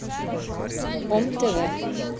ом тв